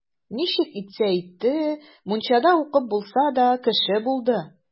Ничек итсә итте, мунчада укып булса да, кеше булды.